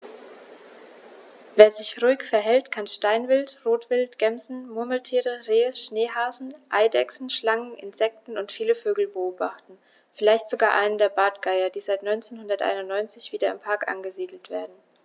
Wer sich ruhig verhält, kann Steinwild, Rotwild, Gämsen, Murmeltiere, Rehe, Schneehasen, Eidechsen, Schlangen, Insekten und viele Vögel beobachten, vielleicht sogar einen der Bartgeier, die seit 1991 wieder im Park angesiedelt werden.